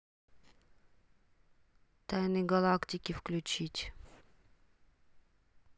тайны галактики включить